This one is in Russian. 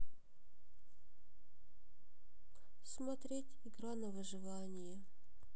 смотреть игра на выживание